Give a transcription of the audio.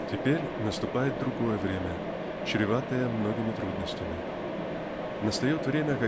Теперь наступает другое время, чреватое многими трудностями. Настает время